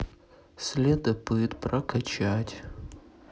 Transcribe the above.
следопыт прокачать